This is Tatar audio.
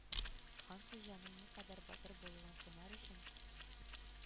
Хан Хуҗаның никадәр батыр булуын сынар өчен: